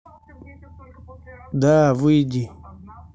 да выйди